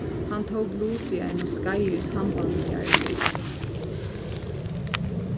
hann tók lut í einum skeiði í sambandi við arbeiði